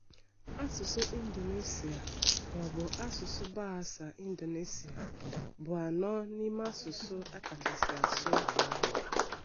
Asụsụ Indonesia – maọbụ asụsụ Bahasa Indonesia – bụ anọ n'ịme asụsụ a kachasị asụ n'ụwa.